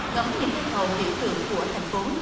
ngắm những cây cầu biểu tượng của thành phố